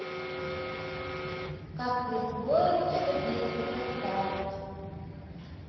как присвоено что дети вырастают